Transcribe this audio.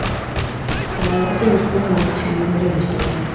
Og så gikk vi mye tur med rullestolen.